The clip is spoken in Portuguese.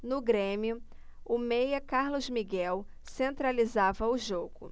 no grêmio o meia carlos miguel centralizava o jogo